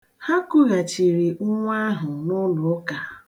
Ha kughachiri nnwa ahụ n'ụlụụka.